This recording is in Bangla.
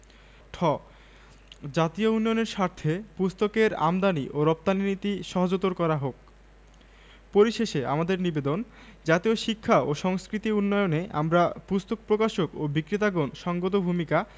collected from intermediate Bangla Bengali Clinton B Seely